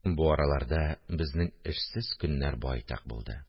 Бу араларда безнең эшсез көннәр байтак булды